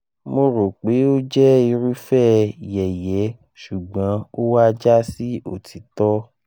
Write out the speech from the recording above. "Mo ro pe o jẹ irufẹ yẹyẹ, ṣugbọn o wa jasi otitọ."